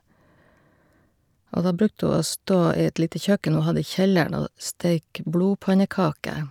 Og da brukte hun å stå i et lite kjøkken hun hadde i kjelleren, og steike blodpannekaker.